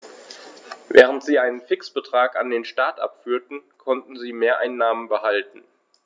Während sie einen Fixbetrag an den Staat abführten, konnten sie Mehreinnahmen behalten.